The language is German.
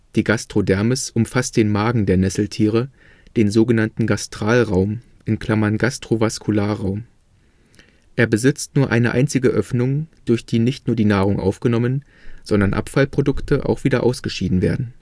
Gastrodermis umfasst den „ Magen “der Nesseltiere, den sogenannten Gastralraum (Gastrovaskularraum). Er besitzt nur eine einzige Öffnung, durch die nicht nur die Nahrung aufgenommen, sondern Abfallprodukte auch wieder ausgeschieden werden